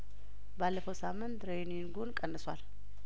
ባለፈው ሳምንት ትሬይኒንጉን ቀንሷል